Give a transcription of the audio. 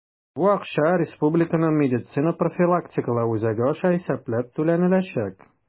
Бу акча Республиканың медицина профилактикалау үзәге аша исәпләп түләнеләчәк.